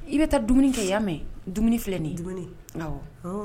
I bɛ taa dumuni kɛ yen, ya mɛn dumuni filɛ nin ye. Dumuni